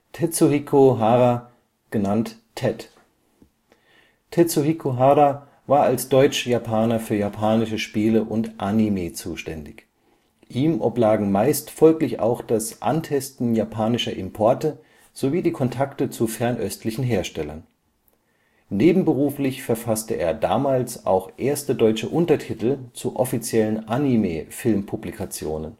Tetsuhiko „ Tet “Hara Tetsuhiko Hara war als Deutsch-Japaner für japanische Spiele und Anime zuständig. Ihm oblagen meist folglich auch das Antesten japanischer Importe sowie die Kontakte zu fernöstlichen Herstellern. Nebenberuflich verfasste er damals auch erste deutsche Untertitel zu offiziellen Anime-Film-Publikationen